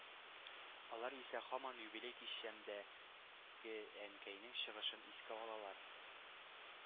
Алар исә һаман юбилей кичәмдәге әнкәйнең чыгышын искә алалар,